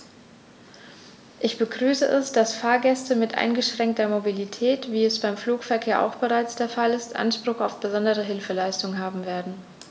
Ich begrüße es, dass Fahrgäste mit eingeschränkter Mobilität, wie es beim Flugverkehr auch bereits der Fall ist, Anspruch auf besondere Hilfeleistung haben werden.